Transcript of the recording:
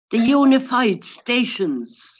The Unified Stations.